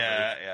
Ia, ia